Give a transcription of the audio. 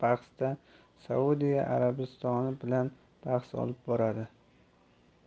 bahsda saudiya arabistoni bilan bahs olib boradi